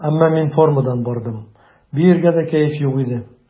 Әмма мин формадан бардым, биергә дә кәеф юк иде.